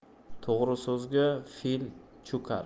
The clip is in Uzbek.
to'g'ri so'zga fil cho'kar